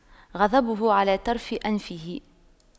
غضبه على طرف أنفه